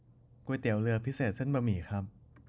ก๋วยเตี๋ยวเรือพิเศษเส้นบะหมี่ครับ